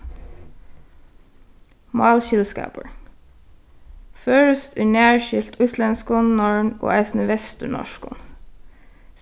málskyldskapur føroyskt er nær skylt íslendskum norn og eisini vesturnorskum